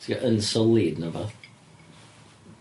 t'go' yn sylwi ne' wbath?